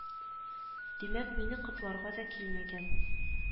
Димәк мине котларга дә килмәгән